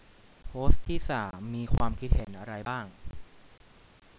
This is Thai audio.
โพสต์ที่สามมีความคิดเห็นอะไรบ้าง